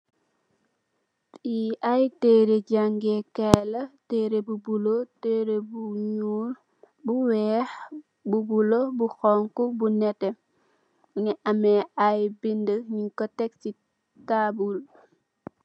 yi ay tere jaage geh kay la tere bulu tere bu nuul bu weex bu bulu bu xongo bu nete mingi amme ay bind nuko teh ci taabal.